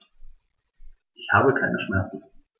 Ich habe keine Schmerzen.